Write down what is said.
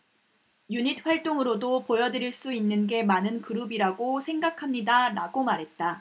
유닛 활동으로도 보여드릴 수 있는 게 많은 그룹이라고 생각합니다라고 답했다